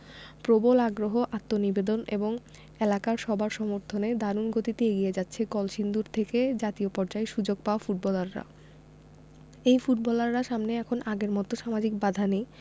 প্রবল আগ্রহ আত্মনিবেদন এবং এলাকার সবার সমর্থনে দারুণ গতিতে এগিয়ে যাচ্ছে কলসিন্দুর থেকে জাতীয় পর্যায়ে সুযোগ পাওয়া ফুটবলাররা এই ফুটবলারদের সামনে এখন আগের মতো সামাজিক বাধা নেই